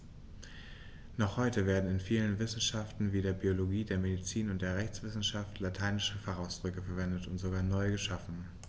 Noch heute werden in vielen Wissenschaften wie der Biologie, der Medizin und der Rechtswissenschaft lateinische Fachausdrücke verwendet und sogar neu geschaffen.